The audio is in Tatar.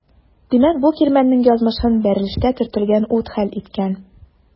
Димәк бу кирмәннең язмышын бәрелештә төртелгән ут хәл иткән.